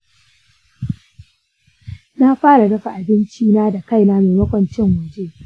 na fara dafa abinci na da kaina maimakon cin waje.